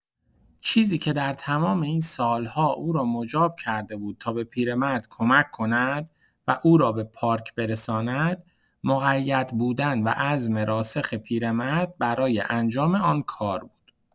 چیزی که در تمام این سال‌ها او را مجاب کرده بود تا به پیرمرد کمک کند و او را به پارک برساند، مقیدبودن و عزم راسخ پیرمرد برای انجام آن کار بود.